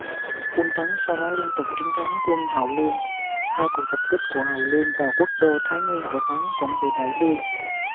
quân tấn sau đó liên tục chiến thắng quân hậu lương hai cuộc tập kích của hậu lương vào quốc đô thái nguyên của tấn cũng bị đẩy lui